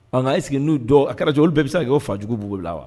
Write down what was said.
En cas est ce que ninnu dɔw a kɛra cogo cogo olu bɛ se ka k'o fa jugu b'u la wa?